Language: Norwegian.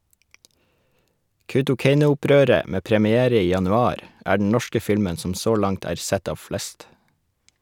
Kautokeinoopprøret, med première i januar, er den norske filmen som så langt er sett av flest.